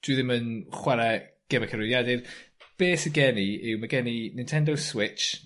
dwi ddim yn chware geme cyfrifiadur. Be' sy gen i yw ma' gen i Nintendo Switch